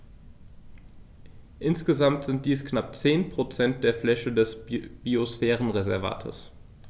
Insgesamt sind dies knapp 10 % der Fläche des Biosphärenreservates.